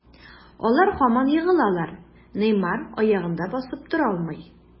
Алар һаман егылалар, Неймар аягында басып тора алмый.